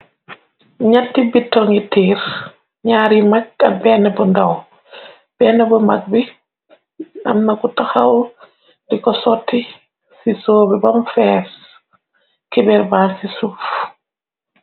Nyetti bito ngi tiir naar yi mag ab benn bu ndaw. Benn bu mag bi amna ku taxaw di ko soti ci soo bi bam feef kiberbaan ci suuf.